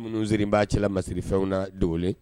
Minnuiiri b'a cɛlala masiririfɛnw na dogo